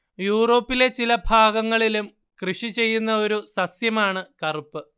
യൂറോപ്പിലെ ചില ഭാഗങ്ങളിലും കൃഷി ചെയ്യുന്ന ഒരു സസ്യമാണ് കറുപ്പ്